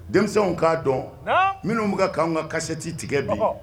Denmisɛnw k'a dɔn minnu bɛka ka kaan ka kasɛti tigɛ don